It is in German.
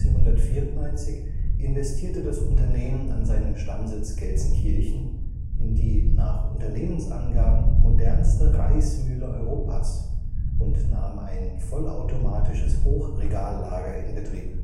1994 investierte das Unternehmen an seinem Stammsitz Gelsenkirchen in die nach Unternehmensangaben modernste Reismühle Europas und nahm ein vollautomatisches Hochregallager in Betrieb